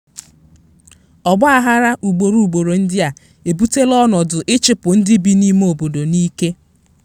Ọgba aghara ugboro ugboro ndị a ebutela ọnọdụ ịchịpụ ndị bi n'ime obodo n'ike.